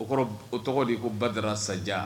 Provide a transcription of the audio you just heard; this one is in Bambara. O o tɔgɔ de ko badara saja